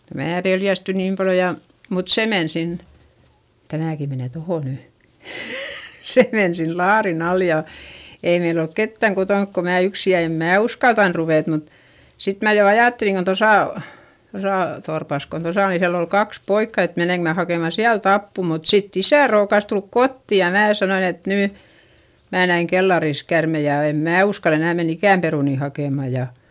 ja minä pelästyin niin paljon ja mutta se meni sinne tämäkin menee tuohon nyt se meni sinne laarin alle ja ei meillä ollut ketään kotona kuin minä yksin ja en minä uskaltanut ruveta mutta sitten minä jo ajattelin kun tuossa tuossa torpassa kun tuossa on niin siellä oli kaksi poikaa että menenkö minä hakemaan sieltä apua mutta sitten isä rookasi tulla kotiin ja minä sanoin että nyt minä näin kellarissa käärmeen ja en minä uskalla enää mennä ikään perunoita hakemaan ja